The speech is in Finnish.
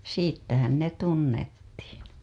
siitähän ne tunnettiin